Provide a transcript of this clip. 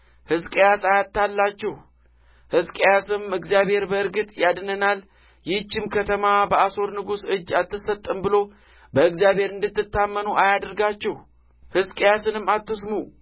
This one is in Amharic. ሕዝቅያስ አያታልላችሁ ሕዝቅያስም እግዚአብሔር በእርግጥ ያድነናል ይህችም ከተማ በአሦር ንጉሥ እጅ አትሰጥም ብሎ በእግዚአብሔር እንድትታመኑ አያድርጋችሁ ሕዝቅያስንም አትስሙ